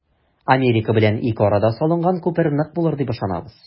Америка белән ике арада салынган күпер нык булыр дип ышанабыз.